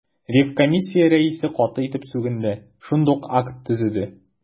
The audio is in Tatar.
Ревкомиссия рәисе каты итеп сүгенде, шундук акт төзеде.